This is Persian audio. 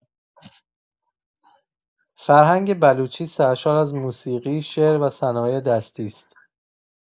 فرهنگ بلوچی سرشار از موسیقی، شعر و صنایع‌دستی است.